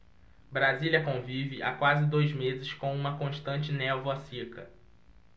brasília convive há quase dois meses com uma constante névoa seca